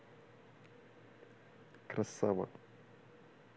красава